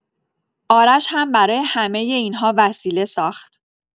آرش هم برای همۀ این‌ها وسیله ساخت.